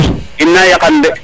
ina yaqan de